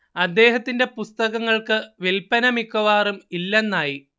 അദ്ദേഹത്തിന്റെ പുസ്തകങ്ങൾക്ക് വില്പന മിക്കവാറും ഇല്ലെന്നായി